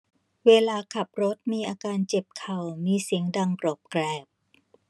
เวลาขับรถมีอาการเจ็บเข่ามีเสียงดังกรอบแกรบ